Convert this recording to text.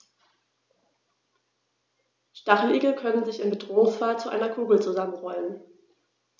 Stacheligel können sich im Bedrohungsfall zu einer Kugel zusammenrollen.